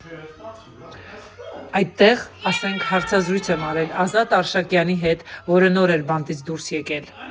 Այդտեղ, ասենք, հարցազրույց եմ արել Ազատ Արշակյանի հետ, որը նոր էր բանտից դուրս եկել։